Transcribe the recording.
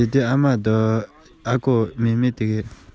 མགོ ཡུ འཁོར ནས ཡུན རིང ལུས